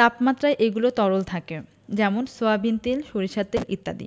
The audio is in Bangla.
তাপমাত্রায় এগুলো তরল থাকে যেমন সয়াবিন তেল সরিষার তেল ইত্যাদি